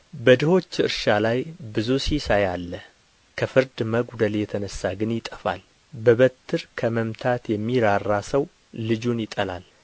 በድሆች እርሻ ላይ ብዙ ሲሳይ አለ ከፍርድ መጕደል የተነሣ ግን ይጠፋል በበትር ከመምታት የሚራራ ሰው ልጁን ይጠላል